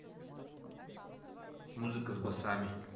музыка с басами